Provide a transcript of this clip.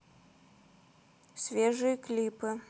свежие клипы